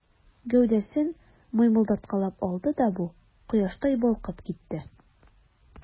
Гәүдәсен мыймылдаткалап алды да бу, кояштай балкып китте.